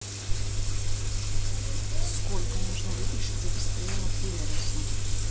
сколько нужно выпить чтобы быстрее нахуяриться